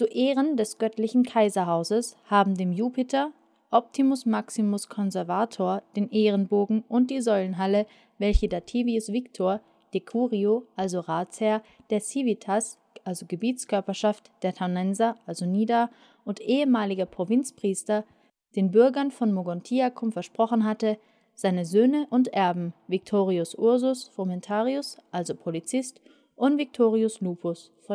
Ehren des göttlichen Kaiserhauses haben dem Jupiter Optimus Maximus Conservator den Ehrenbogen und die Säulenhalle, welche Dativius Victor, decurio (Ratsherr) der civitatis (Gebietskörperschaft) der Taunenser (Nida) und ehemaliger Provinzpriester, den Bürgern von Mogontiacum versprochen hatte, seine Söhne und Erben, Victorius Ursus, frumentarius (Polizist) und Victorius Lupus vollendet